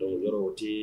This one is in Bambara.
Anw o ten yen